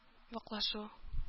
Ваклашу